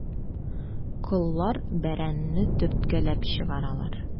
Коллар бәрәнне төрткәләп чыгаралар.